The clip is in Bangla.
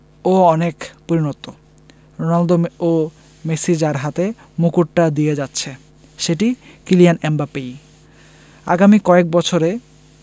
ও অনেক পরিণত রোনালদো ও মেসি যার হাতে মুকুটটা দিয়ে যাচ্ছে সেটি কিলিয়ান এমবাপ্পেই আগামী কয়েক বছরে